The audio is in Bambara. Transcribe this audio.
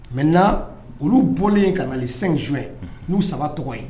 Mɛ na olu bɔnnen ka nali sens n'u saba tɔgɔ ye